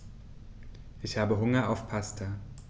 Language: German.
Ich habe Hunger auf Pasta.